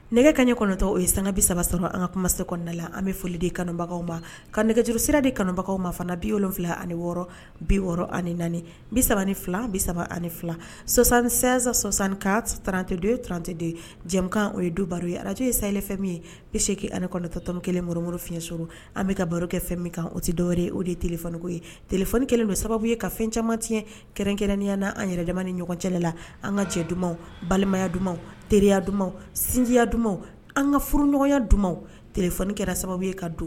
Nɛgɛ kɛɲɛ kɔnɔntɔ o ye sanbi saba sɔrɔ an ka kuma se kɔnɔnada la an bɛ foli di kanubagaw ma ka nɛgɛjuru sira de kanubagaw ma fana biy wolonwula ani wɔɔrɔ bi wɔɔrɔ ani naani bi3 ni fila bi saba ani fila sɔsan2san sɔsan ka trantedorante de jɛkan o ye du baro ye araj ye sale fɛn min ye bi seki ani9tɔtɔ kelen mori fiyyɛn sɔrɔ an bɛ ka baro kɛ fɛn min kan o tɛ dɔwɛrɛ ye o de ye tfko ye t kelen don sababu ye ka fɛn caman tiɲɛɲɛ kɛrɛnkɛrɛnnenya na an yɛrɛ ni ɲɔgɔn cɛ la an ka cɛ duman balimaya duman teriya duman sinjiya duman an ka furuɲɔgɔnya duman toni kɛra sababu ye ka du